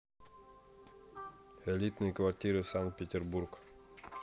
элитные квартиры санкт петербург